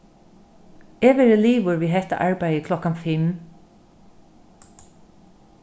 eg verði liðugur við hetta arbeiðið klokkan fimm